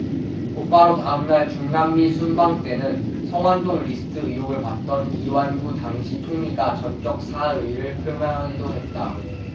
곧바로 다음달 중남미 순방 때는 성완종 리스트 의혹을 받던 이완구 당시 총리가 전격 사의를 표명하기도 했다